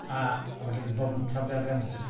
A, a falle bydd pobl yn taflu arian ato ti.